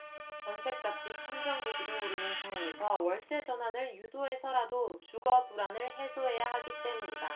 전셋값이 천정부지로 오르는 상황에서 월세 전환을 유도해서라도 주거 불안을 해소해야 하기 때문이다